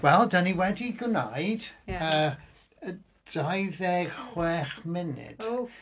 Wel dan ni wedi gwneud yy dau ddeg chwech munud.